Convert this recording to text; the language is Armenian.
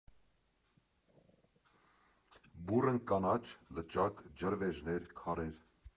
Բուռն կանաչ, լճակ, ջրվեժներ, քարեր։